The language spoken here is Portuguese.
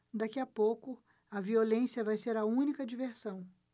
daqui a pouco a violência vai ser a única diversão